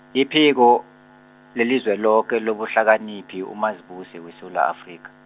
iphiko, leliZweloke lobuhlakaniphi uMazibuse weSewula Afrika.